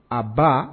A ba